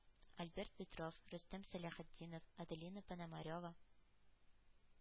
Альберт Петров, Рөстәм Сәләхетдинов, Аделина Пономарева,